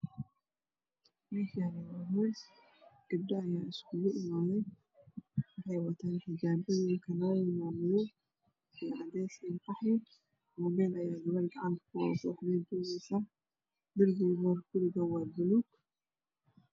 Meeshaan waa hool gabdho ayaa iskugu imaaday waxay wataan xijaabo kalaradoodu waa madow iyo cadeys iyo qaxwi. Muubeel ayaa gabar gacanta kuwadataa wax bay duubaysaa darbiga waa buluug.